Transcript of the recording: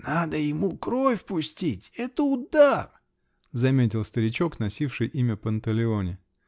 -- Надо ему кровь пустить -- это удар, -- заметил старичок, носивший имя Панталеоне.